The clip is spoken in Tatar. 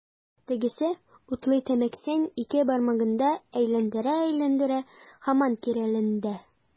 Тегесе, утлы тәмәкесен ике бармагында әйләндерә-әйләндерә, һаман киреләнде.